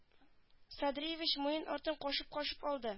Садриевич муен артын кашыпкашып алды